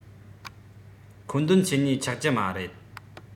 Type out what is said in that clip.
མཁོ འདོན བྱེད ནུས ཆགས ཀྱི མ རེད